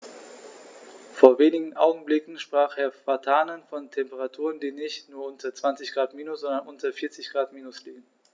Vor wenigen Augenblicken sprach Herr Vatanen von Temperaturen, die nicht nur unter 20 Grad minus, sondern unter 40 Grad minus liegen.